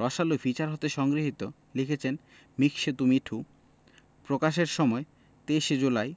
রসআলো feature হতে সংগৃহীত লিখেছেনঃ মিকসেতু মিঠু প্রকাশের সময়ঃ ২৩ জুলাই